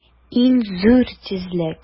Иң зур тизлек!